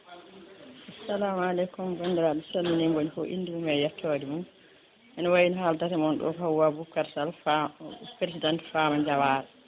assalamu aleykum bandiraɓe mi salmini moni foof inde mum e yettode mum ene wayno haaldata e moon ɗo KO Hawa Boubacar Sall présidente femme Diawar